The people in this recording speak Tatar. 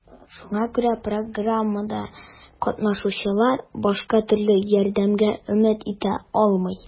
Шуңа күрә программада катнашучылар башка төрле ярдәмгә өмет итә алмый.